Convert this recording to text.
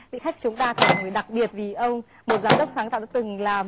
vị khách chúng ta thật là người đặc biệt vì ông một giám đốc sáng tạo đã từng làm